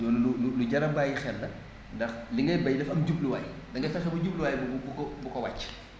lu lu lu jar a bàyyi xel la ndax li ngay bay dafa am jubluwaay na nga fexe ba jubluwaay boobu bu ko bu ko wàcc